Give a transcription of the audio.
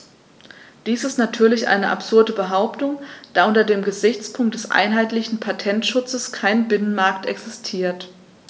Dies ist natürlich eine absurde Behauptung, da unter dem Gesichtspunkt des einheitlichen Patentschutzes kein Binnenmarkt existiert.